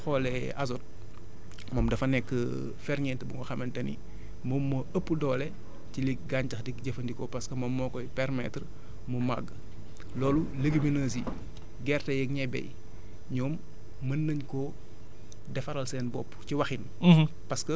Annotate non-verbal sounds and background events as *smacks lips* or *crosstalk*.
te bu ñu xoolee azote *smacks lips* moopm dafa nekk *hesitation* ferñeent bu nag xamante ni moom moo ëpp doole ci li gàncax di jëfandikoo parce que moom moo koy permettre mu màgg loolu légumineuses yi *noise* gerte yeeg ñebe yi ñoom mën nañ koo defaral seen bopp ci waxin